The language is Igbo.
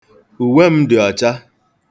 Uwe m dị ọcha.